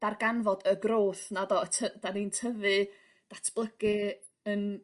darganfod y growth 'na do? T ty- 'dan ni'n tyfu datblygu yn